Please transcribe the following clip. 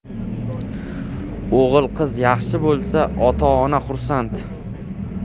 o'g'il qiz yaxshi bo'lsa ota ona xursand